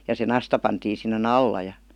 ja se nasta pantiin sinne alla ja